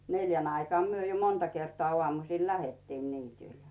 neljän aikaan me jo monta kertaa aamusilla lähdettiin niitylle